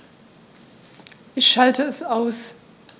Ich schalte es aus.